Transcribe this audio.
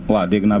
waaw dégg naa